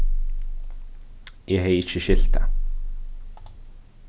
eg hevði ikki skilt tað